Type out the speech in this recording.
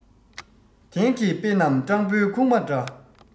དེང གི དཔེ རྣམས སྤྲང བོའི ཁུག མ འདྲ